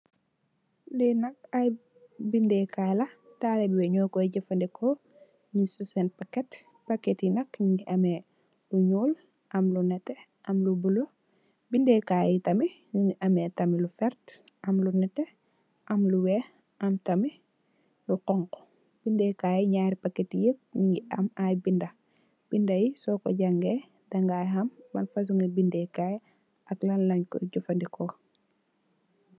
Lii nak ay bindëy kaay la, taalube yi, ñoo kooy jëfëndeko, ñung si seen pakket, pakketi nak, ñung ngi am lu ñuul, am lu nétté, lu bulo, bindëy kaay tam ñu ngi am lu werta, am lu nétté, am lu weex, lu xoñxu. Ñaari pakketi yëp, ñu ngi am,..binda yi nak, soo ko jangee, da ngaay xam ban fasoñgi bindëy kaay, ak lan lañ Kooy jafëndekoo.